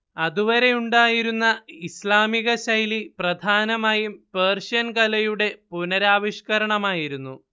അതുവരെയുണ്ടായിരുന്ന ഇസ്ലാമികശൈലി പ്രധാനമായും പേർഷ്യൻ കലയുടെ പുനരാവിഷ്കരണമായിരുന്നു